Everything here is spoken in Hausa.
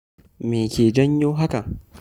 Me ke janyo hakan?